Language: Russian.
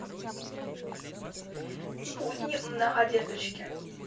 будни многодеточки